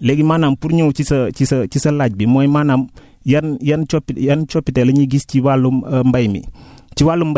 léegi maanaam pour ñëw ci sa ci sa ci sa laaj bi mooy maanaam yan yan coppi yan coppite la ñuy gis ci wàllum mbay mi